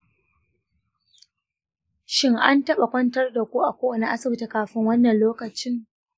shin an taɓa kwantar da ku a kowane asibiti kafin wannan lokacin?